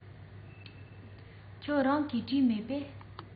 ཁྱེད རང གིས བྲིས མེད པས